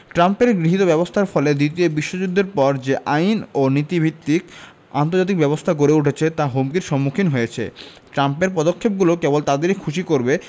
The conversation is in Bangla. ট্রাম্পের গৃহীত ব্যবস্থার ফলে দ্বিতীয় বিশ্বযুদ্ধের পর যে আইন ও নীতিভিত্তিক আন্তর্জাতিক ব্যবস্থা গড়ে উঠেছে তা হুমকির সম্মুখীন হয়েছে ট্রাম্পের পদক্ষেপগুলো কেবল তাদেরই খুশি করবে